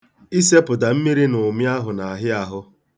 Isepụta mmiri n'ụmị ahụ na-ahịa ahụ.